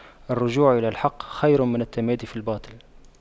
الرجوع إلى الحق خير من التمادي في الباطل